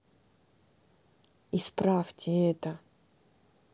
исправьте это